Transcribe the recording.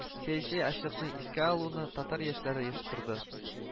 Сәяси ачлыкны искә алуны татар яшьләре оештырды